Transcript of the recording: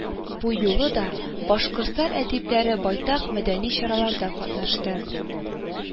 Бу юлы да Башкортстан әдипләре байтак мәдәни чараларда катнашты